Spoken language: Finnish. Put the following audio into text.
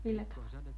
millä tavalla